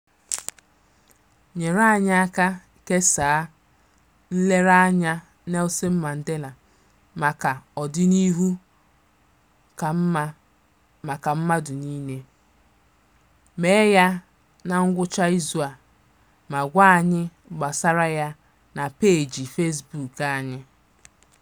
Nyere anyị aka kesaa nlereanya Nelson Mandela maka ọdịnihu ka mma maka mmadụ niile, mee ya na ngwụcha izu a, ma gwa anyị gbasara ya na peeji Facebook anyị.